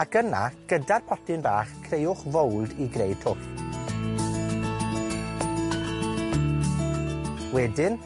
Ac yna, gyda potyn bach, creuwch fowld i greu twll. Wedyn,